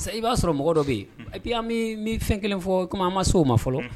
Sisan , I ba sɔrɔ mɔgɔ dɔ be yen. Epui n bi fɛn kelen fɔ kuma an ma so ma fɔlɔ.